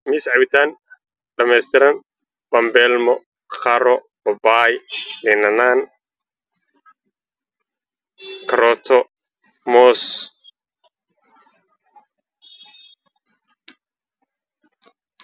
Waa qudaar moos cambe babaayga iyo Qaraha